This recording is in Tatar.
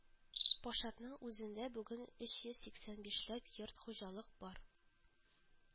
Пашатның үзендә бүген өч йөз сиксән бишләп йорт хуҗалык бар